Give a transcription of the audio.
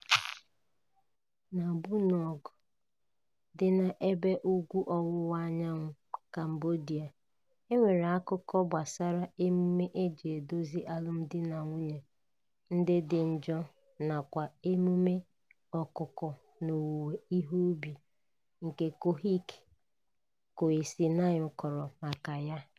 Na Bunong, dị n'ebe ugwu ọwụwa anyanwụ Cambodia, e nwere akụkọ gbasara emume e jị edozi alụmdinanwunye ndị dị njọ nakwa emume ọ̀kụ̀kọ̀ na ọwụwụ ihe ubi nke Khoeuk Keosinaem kọrọ maka ya.